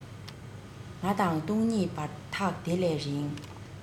ང དང སྟོང ཉིད བར ཐག དེ ལས རིང